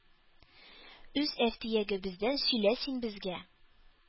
Үз әфтиягебездән сөйлә син безгә,-